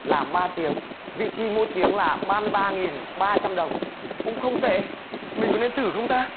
làm ba tiếng vị chi mỗi tiếng là ba mươi ba nghìn ba trăm đồng cũng không tệ mình cũng nên thử không ta